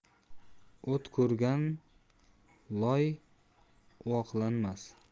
o't ko'rgan loy uvoqlanmas